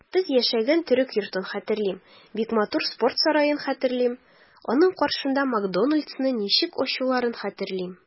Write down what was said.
Без яшәгән төрек йортын хәтерлим, бик матур спорт сараен хәтерлим, аның каршында "Макдоналдс"ны ничек ачуларын хәтерлим.